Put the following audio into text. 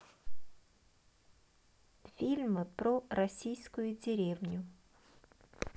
фильмы про российскую деревню